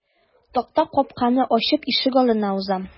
Такта капканы ачып ишегалдына узам.